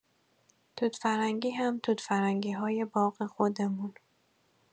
توت‌فرنگی هم توت‌فرنگی‌های باغ خودمون.